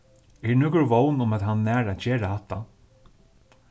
er nøkur vón um at hann nær at gera hatta